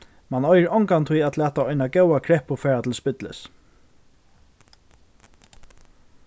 man eigur ongantíð at lata eina góða kreppu fara til spillis